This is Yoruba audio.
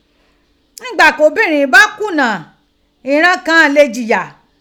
Ngba ki obinrin ba kunaa iran kan le jiya.